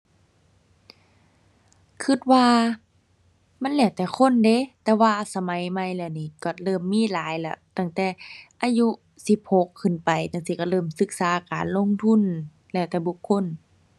คิดว่ามันแล้วแต่คนเดะ แต่ว่าสมัยใหม่แล้วนี้คิดเริ่มมีหลายแล้ว ตั้งแต่อายุสิบหกขึ้นไปจั่งซี้คิดเริ่มศึกษาการลงทุน แล้วแต่บุคคล